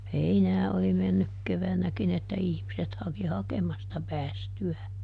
heinää oli mennyt keväänäkin että ihmiset haki hakemasta päästyään